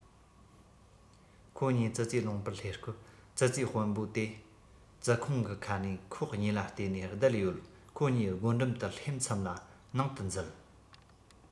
ཁོ གཉིས ཙི ཙིས ལུང པར སླེབས སྐབས ཙི ཙིའི དཔོན པོ དེ ཙི ཁུང གི ཁ ནས ཁོ གཉིས ལ བལྟས ནས བསྡད ཡོད ཁོ གཉིས སྒོ འགྲམ དུ སླེབས མཚམས ལ ནང དུ འཛུལ